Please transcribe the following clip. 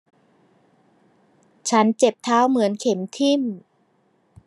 ฉันเจ็บเท้าเหมือนเข็มทิ่ม